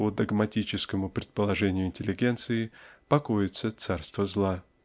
по догматическому предположению интеллигенции покоится царство зла.